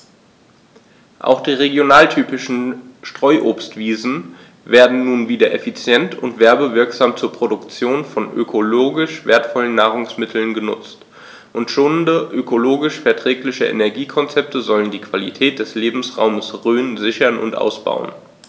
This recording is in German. Auch die regionaltypischen Streuobstwiesen werden nun wieder effizient und werbewirksam zur Produktion von ökologisch wertvollen Nahrungsmitteln genutzt, und schonende, ökologisch verträgliche Energiekonzepte sollen die Qualität des Lebensraumes Rhön sichern und ausbauen.